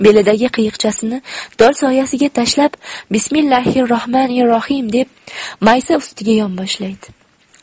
belidagi qiyiqchasini tol soyasiga tashlab bismillohu rahmonur rahim deb maysa ustiga yonboshlaydi